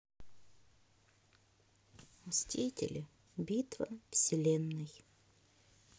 мстители битва вселенной